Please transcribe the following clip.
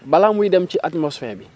bala muy dem ci atmosphère bi